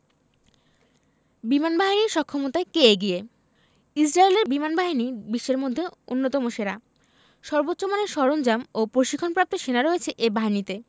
বিমানবাহীর সক্ষমতায় কে এগিয়ে ইসরায়েলের বিমানবাহিনী বিশ্বের মধ্যে অন্যতম সেরা সর্বোচ্চ মানের সরঞ্জাম ও প্রশিক্ষণপ্রাপ্ত সেনা রয়েছে এ বাহিনীতে